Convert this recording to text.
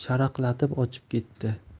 sharaqlatib ochib keti